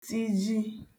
-tiji